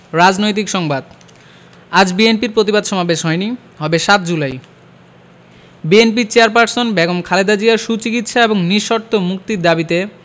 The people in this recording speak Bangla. রাজনৈতিক সংবাদ আজ বিএনপির প্রতিবাদ সমাবেশ হয়নি হবে ৭ July BNP chairperson Begum Khaleda জিয়ার সুচিকিৎসা এবং নিঃশর্ত মুক্তির দাবিতে